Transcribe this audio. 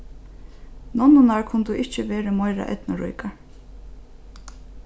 nonnurnar kundu ikki verið meira eydnuríkar